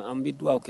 An bɛ dugawu kɛ